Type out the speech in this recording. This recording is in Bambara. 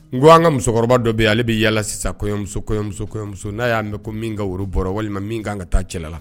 N an ka musokɔrɔba dɔ yen ale bɛ yalala sisan kɔɲɔmusomuso n'a y'a mɛn ko min ka woro bɔra walima min k'an ka taa cɛla la